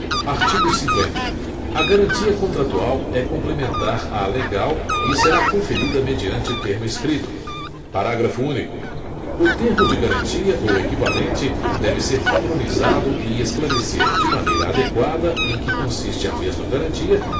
artigo cinquenta a garantia contratual é complementar à legal e será conferida mediante termo escrito parágrafo único o termo de garantia ou equivalente deve ser padronizado e esclarecer de maneira adequada em que consiste a mesma garantia